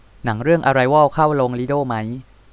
หนังเรื่องอะไรวอลเข้าโรงลิโด้มั้ย